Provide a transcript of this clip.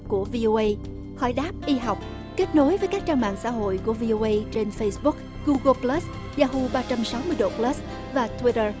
của vi ô ây hỏi đáp y học kết nối với các trang mạng xã hội của vi ô ây trên phây búc gu gồ lứt da hu ba trăm sáu mươi độ bờ lớt và thuy đờ